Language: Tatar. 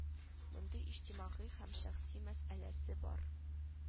Монда иҗтимагый һәм шәхси мәсьәләсе бар